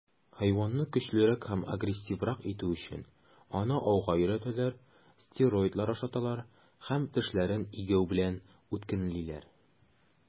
Хайванны көчлерәк һәм агрессиврак итү өчен, аны ауга өйрәтәләр, стероидлар ашаталар һәм тешләрен игәү белән үткенлиләр.